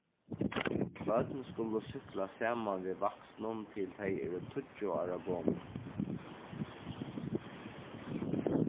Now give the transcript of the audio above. børn skulu súkkla saman við vaksnum til tey eru tíggju ára gomul